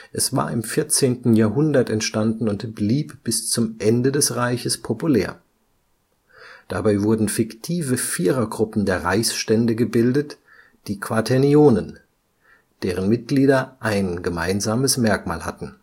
Es war im 14. Jahrhundert entstanden und blieb bis zum Ende des Reiches populär. Dabei wurden fiktive Vierergruppen der Reichsstände gebildet, die Quaternionen, deren Mitglieder ein gemeinsames Merkmal hatten